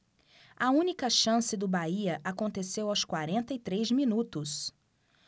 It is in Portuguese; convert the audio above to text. a única chance do bahia aconteceu aos quarenta e três minutos